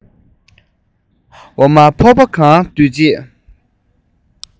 འོ མ ཕོར པ གང ལྡུད རྗེས